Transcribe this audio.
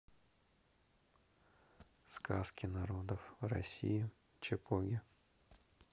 сказки народов россии чепоги